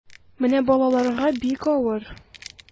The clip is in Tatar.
Менә балаларга бик авыр.